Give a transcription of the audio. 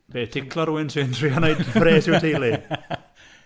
Be? Ticlo rhywun sy'n trio wneud pres i'w teulu? .